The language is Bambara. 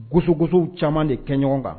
Gosigoso caman de kɛ ɲɔgɔn kan